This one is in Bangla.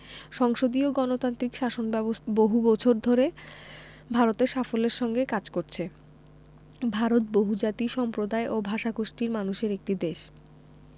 সংসদীয় গণতান্ত্রিক শাসন ব্যাবস্থা বহু বছর ধরে ভারতে সাফল্যের সঙ্গে কাজ করছে ভারত বহুজাতি সম্প্রদায় ও ভাষাগোষ্ঠীর মানুষের একটি দেশ